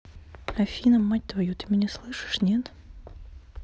афина мать твою ты меня слышишь нет